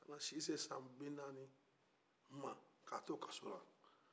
ka si se san binaani ma ka a to kasola